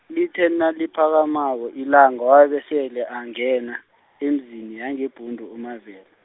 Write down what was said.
lithe naliphakamako ilanga wabe sele ayingena, imizi, yangeBhundu uMavela.